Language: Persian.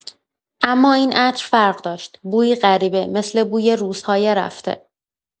اما این عطر فرق داشت، بویی غریبه، مثل بوی روزهای رفته.